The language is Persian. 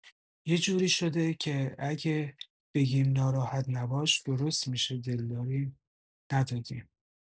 یجوری شده که اگه بگیم ناراحت نباش درست می‌شه دلداری ندادیم